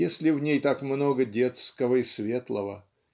если в ней так много детского и светлого